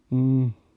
mm